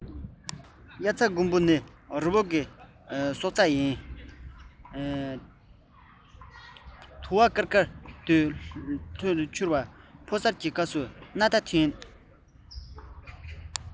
སྙི བ ནི རི བོའི སྙིང དབྱར རྩྭ དགུན འབུ ནི རི བོའི སྲོག ཡིན ཙག སྒྲའི མེ དེར ཕུ བཏབ ནས བསད ཁ ནས དུ བ དཀར ལྷོག ལྷོག ཏུ འཕྱུར བ ཕོ གསར གྱི སྐབས སུ སྣ ཐ འཐེན